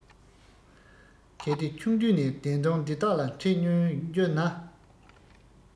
གལ ཏེ ཆུང དུས ནས བདེན དོན འདི དག ལ འཕྲད མྱོང རྒྱུ ན